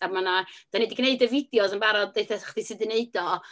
A mae 'na... dan ni 'di gwneud y fideos yn barod, deutha chdi sut i wneud o.